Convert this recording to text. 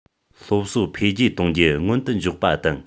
སློབ གསོ འཕེལ རྒྱས གཏོང རྒྱུ སྔོན དུ འཇོག པ དང